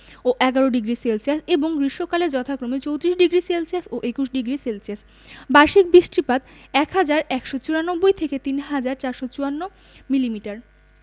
ও ১১ডিগ্রি সেলসিয়াস এবং গ্রীষ্মকালে যথাক্রমে ৩৪ডিগ্রি সেলসিয়াস ও ২১ডিগ্রি সেলসিয়াস বার্ষিক বৃষ্টিপাত ১হাজার ১৯৪ থেকে ৩হাজার ৪৫৪ মিলিমিটার